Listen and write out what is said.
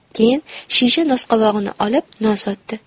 keyin shisha nosqovog'ini olib nos otdi